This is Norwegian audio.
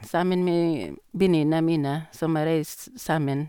Sammen med vennene mine som jeg reist sammen.